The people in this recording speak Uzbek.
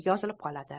yozilib qoladi